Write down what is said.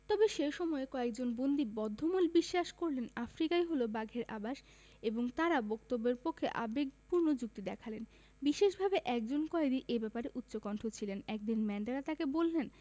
তবে সে সময়ে কয়েকজন বন্দী বদ্ধমূল বিশ্বাস করলেন আফ্রিকাই হলো বাঘের আবাস এবং তারা বক্তব্যের পক্ষে আবেগপূর্ণ যুক্তি দেখালেন বিশেষভাবে একজন কয়েদি এ ব্যাপারে উচ্চকণ্ঠ ছিলেন একদিন ম্যান্ডেলা তাঁকে বললেন